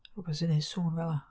Wbath sy'n neud sŵn fela.